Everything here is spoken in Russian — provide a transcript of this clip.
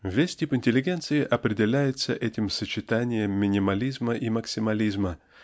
Весь тип интеллигенции определяется этим сочетанием минимализма и максимализма